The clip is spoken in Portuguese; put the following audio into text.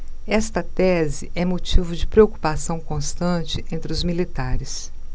esta tese é motivo de preocupação constante entre os militares